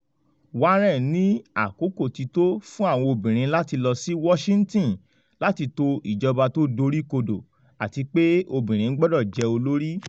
Warren ní àkókò ti tó “fún àwọn òbinrin láti lọ sí Washington láti to ìjọba tó doríkodò, àti pé obìnrin gbọ́dọ̀ jẹ́ olórí.”